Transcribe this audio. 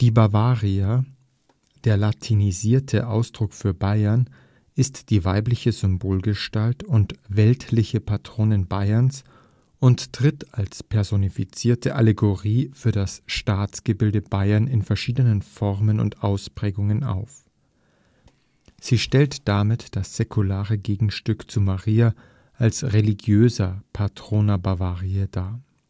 Bavaria (der latinisierte Ausdruck für Bayern) ist die weibliche Symbolgestalt und weltliche Patronin Bayerns und tritt als personifizierte Allegorie für das Staatsgebilde Bayern in verschiedenen Formen und Ausprägungen auf. Sie stellt damit das säkulare Gegenstück zu Maria als religiöser Patrona Bavariae dar